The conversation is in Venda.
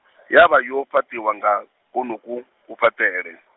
ya vha yo fhaṱiwa nga, kwonoku, kufhaṱele.